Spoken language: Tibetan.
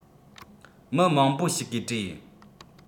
མི མང པོ ཞིག གིས དྲིས